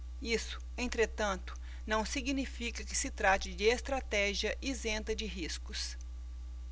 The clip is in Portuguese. isso entretanto não significa que se trate de estratégia isenta de riscos